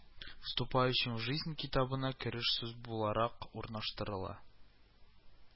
Вступающим в жизнь китабына кереш сүз буларак урнаштырыла